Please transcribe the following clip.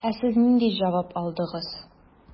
Ә сез нинди җавап алдыгыз?